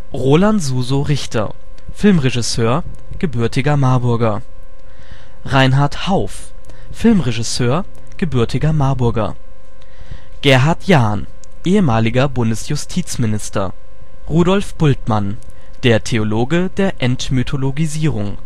Roland Suso Richter - Filmregisseur, gebürtiger Marburger Reinhard Hauff - Filmregisseur, gebürtiger Marburger Gerhard Jahn - ehemaliger Bundesjustizminister Rudolf Bultmann - der Theologe der Entmythologisierung